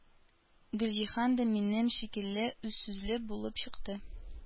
Гөлҗиһан да минем шикелле үзсүзле булып чыкты.